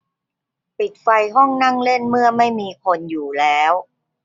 ปิดไฟห้องนั่งเล่นเมื่อไม่มีคนอยู่แล้ว